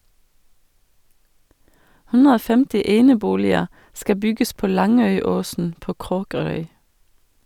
150 eneboliger skal bygges på Langøyåsen på Kråkerøy.